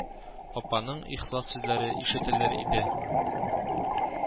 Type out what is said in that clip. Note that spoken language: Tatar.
Апаның ихлас сүзләре ишетелер иде